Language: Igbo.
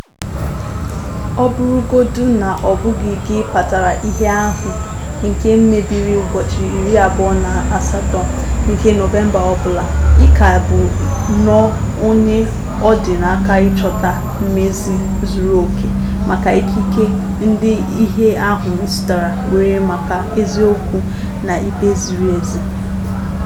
Ọ bụrụgodị na ọ bụghị gị kpatara ihe ahụ nke mebiri ụbọchị 28 nke Nọvemba ọ bụla, ị ka bụ nnọọ onye ọ dị n'aka ịchọta mmezi zuru oke maka ikike ndị ihe ahụ metụtara nwere maka eziokwu na ikpe ziri ezi ...